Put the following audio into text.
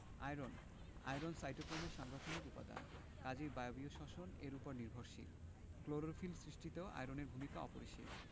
iron iron সাইটোক্রোমের সাংগঠনিক উপাদান কাজেই বায়বীয় শ্বসন এর উপর নির্ভরশীল ক্লোরোফিল সৃষ্টিতেও আয়রনের ভূমিকা অপরিসীম